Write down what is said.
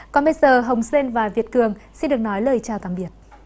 còn bây giờ hồng sen và việt cường xin được nói lời chào tạm biệt